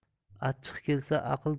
achchiq kelsa aql